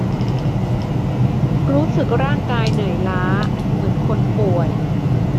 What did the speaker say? รู้สึกร่างกายเหนื่อยล้าเหมือนคนป่วย